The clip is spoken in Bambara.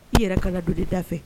I yɛrɛ kala donda fɛ